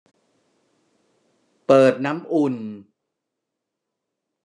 เปิดน้ำอุ่น